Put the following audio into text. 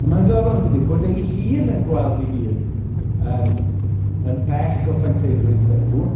A mae'n ddiddorol, yn dydy, bod e’i hun yn gweld ei hun, yym yn bell o sancteiddrwydd Duw...